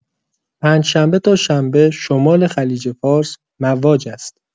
پنج‌شنبه تا شنبه شمال خلیج‌فارس مواج است.